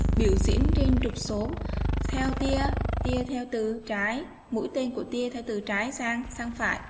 biểu diễn trên trục số theo tia tia theo từ cái mũi tên của tia tới từ trái sang phải